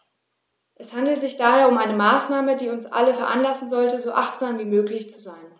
Es handelt sich daher um eine Maßnahme, die uns alle veranlassen sollte, so achtsam wie möglich zu sein.